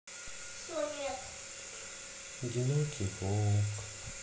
одинокий волк